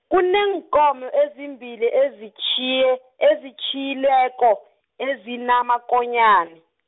kunenkomo ezimbili ezitjhiye, ezitjhiyileko, ezinamakonyana.